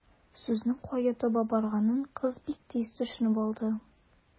Сүзнең кая таба барганын кыз бик тиз төшенеп алды.